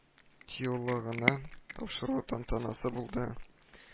Тыюлыгына тапшыру тантанасы булды